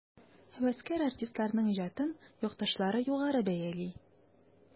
Һәвәскәр артистларның иҗатын якташлары югары бәяли.